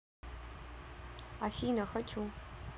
афина хочу